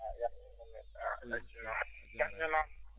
a yaahi minne a salminama